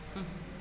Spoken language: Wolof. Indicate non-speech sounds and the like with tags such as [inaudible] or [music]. [hesitation] [hesitation]